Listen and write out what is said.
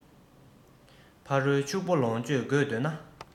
ཕ རོལ ཕྱུག པོ ལོངས སྤྱོད དགོས འདོད ན